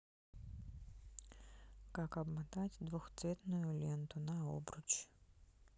как обмотать двухцветную ленту на обруч